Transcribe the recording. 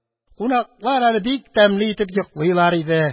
Кунаклар әле бик тәмле итеп йоклыйлар иде.